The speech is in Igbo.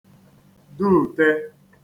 duute